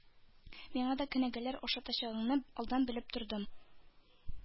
Миңа да кенәгәләр ашатачагыңны алдан белеп тордым.